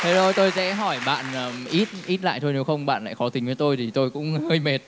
thế thôi tôi sẽ hỏi bạn ờm ít ít lại thôi nếu không bạn lại khó tính với tôi thì tôi cũng hơi mệt